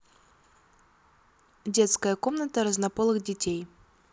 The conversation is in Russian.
детская комната разнополых детей